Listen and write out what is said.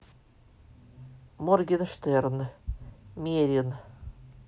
моргенштерн мерин